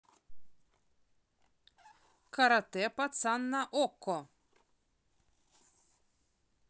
карате пацан на окко